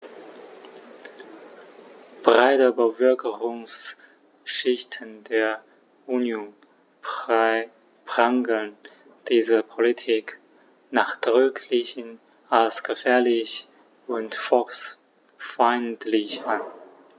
Breite Bevölkerungsschichten der Union prangern diese Politik nachdrücklich als gefährlich und volksfeindlich an.